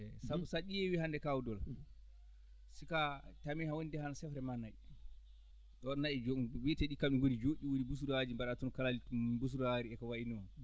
sabu so a ƴeewii hannde kaw Doulo si ko a tamii a wondii tan e sefre maa nayi ɗo nayi jomum mbiyetee ɗi kanum ngoni jooɗɗi woni busoraaji mbaɗa tan koraali busuraari e ko wayi noon